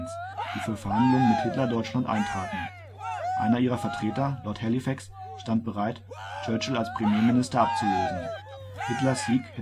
Verhandlungen mit Hitler-Deutschland eintraten. Einer ihrer Vertreter, Lord Halifax, stand bereit, Churchill als Premierminister abzulösen. Hitlers Sieg